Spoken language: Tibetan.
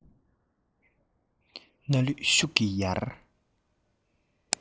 སྣ ལུད ཤུགས ཀྱིས ཡར